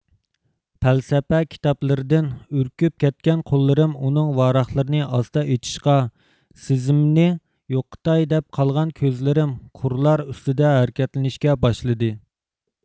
پەلسەپە كىتابلىرىدىن ئۈركۈپ كەتكەن قوللىرىم ئۇنىڭ ۋاراقلىرىنى ئاستا ئېچىشقا سېزىمىنى يوقىتاي دەپ قالغان كۆزلىرىم قۇرلار ئۈستىدە ھەرىكەتلىنىشكە باشلىدى